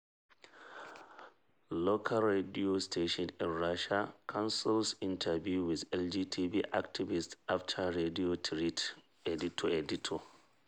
Local radio station in Russia cancels interview with LGBT activists after threats to editor